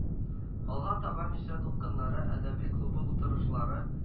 Алга таба “Мишә дулкыннары” әдәби клубы утырышлары